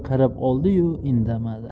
qarab oldi yu indamadi